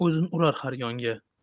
o'zini urar har yonga